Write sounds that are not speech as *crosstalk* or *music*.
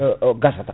*hesitation* o gassata